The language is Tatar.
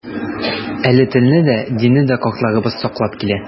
Әле телне дә, динне дә картларыбыз саклап килә.